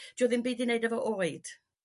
'Dy o ddim byd i neud efo oed.